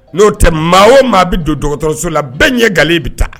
N'o tɛ maa o maa bɛ don dɔgɔtɔrɔso la bɛɛ ɲɛ nkalonle bɛ taa